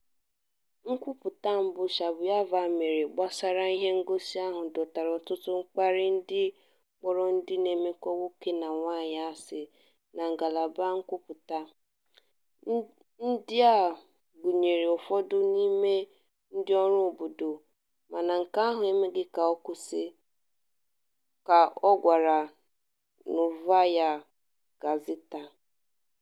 Nkwupụta mbụ Shabuyeva mere gbasara ihe ngosi ahụ dọtara ọtụtụ mkparị ndị kpọrọ ndị mmekọ nwoke na nwoke asị na ngalaba nkwupụta, ndị a, gụnyere ụfọdụ n'ime ndịọrụ obodo, mana nke ahụ emeghị ka ọ kwụsị, ka ọ gwara Novaya Gazeta.